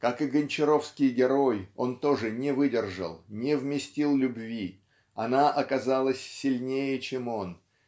Как и гончаровский герой, он тоже не выдержал, не вместил любви она оказалась сильнее чем он